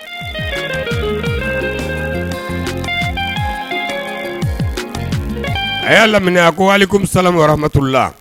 A y'a laminɛ a ko wa alekum salam wa rahmatulah